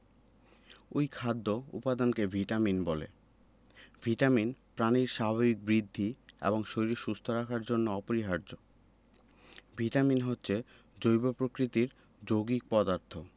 ঐ খাদ্য উপাদানকে ভিটামিন বলে ভিটামিন প্রাণীর স্বাভাবিক বৃদ্ধি এবং শরীর সুস্থ রাখার জন্য অপরিহার্য ভিটামিন হচ্ছে জৈব প্রকৃতির যৌগিক পদার্থ